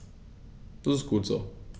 Das ist gut so.